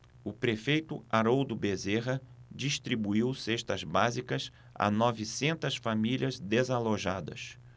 o prefeito haroldo bezerra distribuiu cestas básicas a novecentas famílias desalojadas